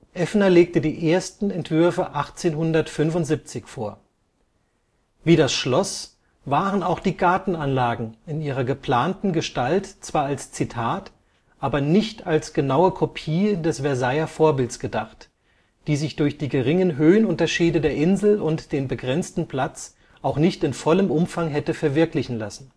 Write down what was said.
Effner legte die ersten Entwürfe 1875 vor. Wie das Schloss, waren auch die Gartenanlagen in ihrer geplanten Gestalt zwar als Zitat, aber nicht als genaue Kopie des Versailler Vorbildes gedacht, die sich durch die geringen Höhenunterschiede der Insel und den begrenzten Platz auch nicht in vollem Umfang hätte verwirklichen lassen